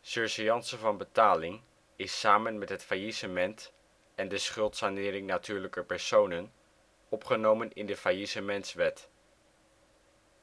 Surseance van betaling is samen met het faillissement en de schuldsanering natuurlijke personen opgenomen in de Faillissementswet.